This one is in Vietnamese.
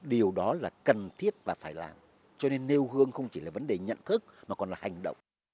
điều đó là cần thiết và phải làm cho nên nêu gương không chỉ là vấn đề nhận thức mà còn là hành động